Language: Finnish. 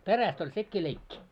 perästä oli sekin leikki